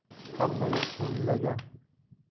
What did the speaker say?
hammayoq huvillagan